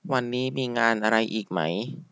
วันนี้มีงานอะไรอีกไหม